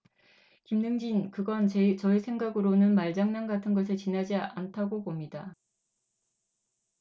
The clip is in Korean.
김능진 그건 저희 생각으로는 말장난 같은 것에 지나지 않다고 봅니다